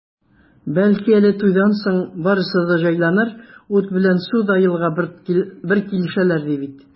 Бәлки әле туйдан соң барысы да җайланыр, ут белән су да елга бер килешәләр, ди бит.